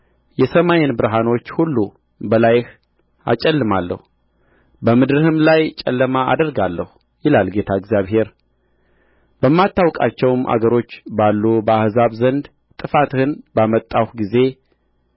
የሰማይን ብርሃኖች ሁሉ በላይህ አጨልማለሁ በምድርህም ላይ ጨለማ አደርጋለሁ ይላል ጌታ እግዚአብሔር በማታውቃቸውም አገሮች ባሉ በአሕዛብ ዘንድ ጥፋትህን ባመጣሁ ጊዜ